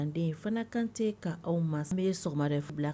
Manden Fanta Kante ka aw ma n bɛ sɔgɔmada f bila